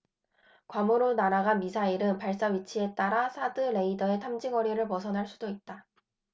괌으로 날아간 미사일은 발사 위치에 따라 사드 레이더의 탐지거리를 벗어날 수도 있다